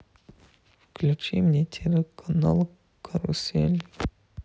включи мне телеканал карусель